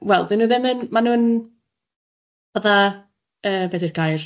wel dydyn nhw ddim yn, ma' nhw'n fatha, yy be di'r gair?